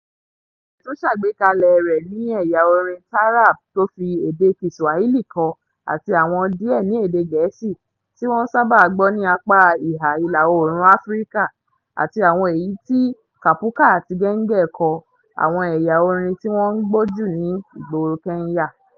Àwọn orin rẹ̀ tó ṣàgbékalẹ̀ rẹ̀ ní ẹ̀yà orin Taarab tó fi èdè Kiswahili kọ àti àwọn díẹ̀ ni èdè gẹ̀ẹ́sì tí wọ́n ń sàbà gbọ̀ ní apá ìhà Ìlà-oòrùn Áfíríkà, àti àwọn èyí tó Kapuka and Genge kọ, àwọn ẹ̀yà orin tí wọ́n ń gbọ́ jù ní ìgboro Kenya.